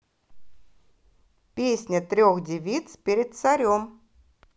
песня трех девиц перед царем